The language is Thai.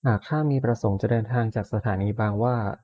หากข้ามีประสงค์จะเดินทางจากสถานีบางหว้า